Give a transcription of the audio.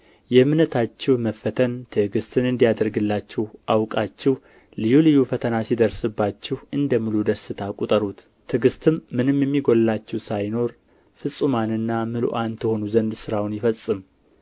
የእምነታችሁ መፈተን ትዕግሥትን እንዲያደርግላችሁ አውቃችሁ ልዩ ልዩ ፈተና ሲደርስባችሁ እንደ ሙሉ ደስታ ቍጠሩት ትዕግሥትም ምንም የሚጎድላችሁ ሳይኖር ፍጹማንና ምሉዓን ትሆኑ ዘንድ ሥራውን ይፈጽም